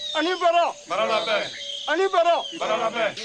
Ani baro ani baro